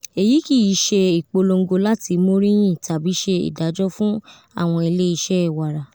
Eyi kiiṣe ipolongo lati morinyin tabi ṣe idajọ fun awọn ile iṣẹ wara.”